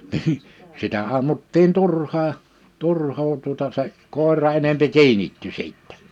niin sitä ammuttiin turhaan turhaa tuota se koira enempi kiinnittyi sitten